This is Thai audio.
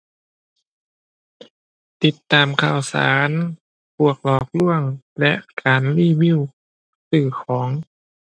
ติดตามข่าวสารพวกหลอกลวงและการรีวิวซื้อของ